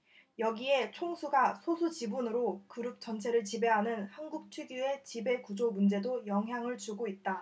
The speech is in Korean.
여기에 총수가 소수 지분으로 그룹 전체를 지배하는 한국 특유의 지배구조 문제도 영향을 주고 있다